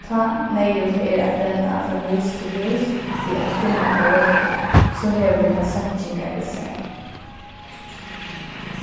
tá neyðugt er at renna frá húsi til hús fyri at finna tey røttu so hevur tað seinkingar við sær